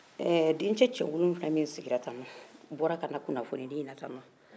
ɛɛ dencɛ cɛ wolonwula min sigila tan nɔ u bɔra ka na kunnafonindi la tan nɔ